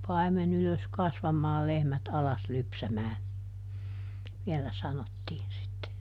paimen ylös kasvamaan lehmät alas lypsämään vielä sanottiin sitten